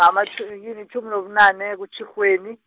ngamatjhu- in- yini yitjhumi nobunane, kuTjhirhweni.